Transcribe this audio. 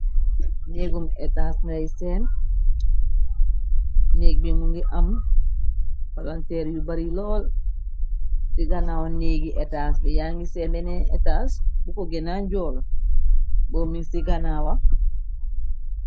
neegum etaas nay seen ñéeg bi mu ngi am palanteer yu bari lool ci ganaawa neegi etas bi ya ngi see bene etas bu ko gena njool bo min ci ganaawa